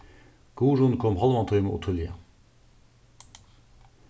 guðrun kom hálvan tíma ov tíðliga